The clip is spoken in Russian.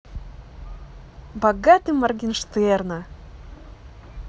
богатый моргенштерна